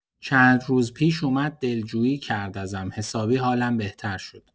چند روز پیش اومد دلجویی کرد ازم، حسابی حالم بهتر شد.